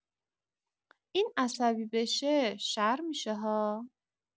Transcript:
این عصبی بشه، شر میشه‌ها!